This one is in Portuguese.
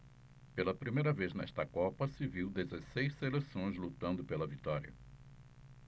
pela primeira vez nesta copa se viu dezesseis seleções lutando pela vitória